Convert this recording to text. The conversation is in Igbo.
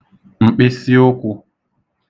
m̀kpịsịụkwụ̄